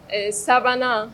Ɛɛ sabanan